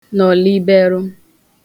nọ̀liberụ